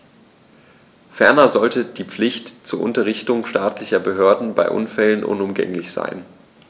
Ferner sollte die Pflicht zur Unterrichtung staatlicher Behörden bei Unfällen unumgänglich sein.